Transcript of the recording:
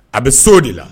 A bɛ so de la